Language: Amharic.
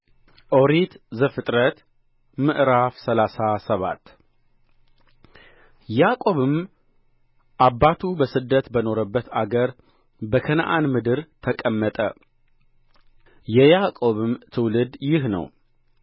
ኦሪት ዘፍጥረት ምዕራፍ ሰላሳ ሰባት ያዕቆብም አባቱ በስደት በኖረበት አገር በከነዓን ምድር ተቀመጠ የያዕቆብም ትውልድ ይህ ነው